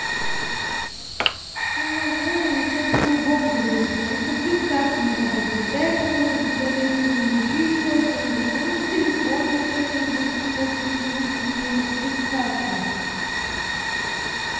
не могу ни о чем другом говорить потому что приставка не работает дай какую нибудь горячую линию или еще что нибудь номер телефона чем нибудь кто починит мне эту приставку